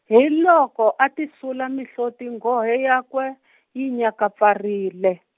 hi loko a tisula mihloti nghohe yakwe, yi nyakapfarile.